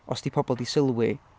Os 'di pobl 'di sylwi...